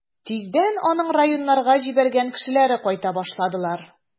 Тиздән аның районнарга җибәргән кешеләре кайта башладылар.